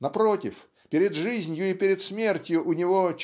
Напротив, перед жизнью и перед смертью у него